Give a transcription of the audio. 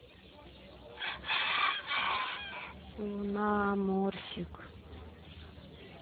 луна морсик